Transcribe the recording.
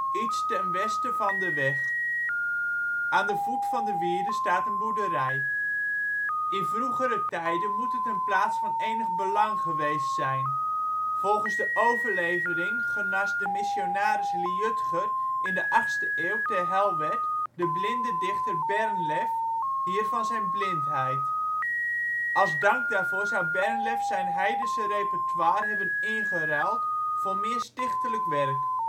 iets ten westen van de weg. Aan de voet van de wierden staat een boerderij. De twee wierden van Helwerd met daartussen een doorkijkje naar de kerk van Rottum. In vroegere tijden moet het een plaats van enig belang geweest zijn. Volgens de overlevering genas de missionaris Liudger in de achtste eeuw te Helwerd de blinde dichter Bernlef hier van zijn blindheid. Als dank daarvoor zou Bernlef zijn heidense repertoire hebben ingeruild voor meer stichtelijk werk